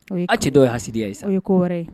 O ye a cɛ dɔw ye hasidiya ye sa o ye kowɛrɛ ye